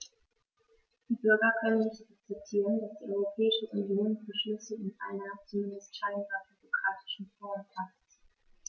Die Bürger können nicht akzeptieren, dass die Europäische Union Beschlüsse in einer, zumindest scheinbar, bürokratischen Form faßt.